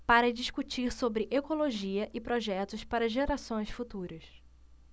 para discutir sobre ecologia e projetos para gerações futuras